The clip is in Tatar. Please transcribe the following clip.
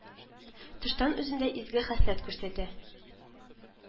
Тыштан үзендә изге хасләт күрсәтә